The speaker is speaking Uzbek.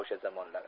o'sha zamonlar